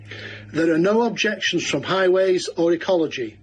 There are no objections from highways or ecology.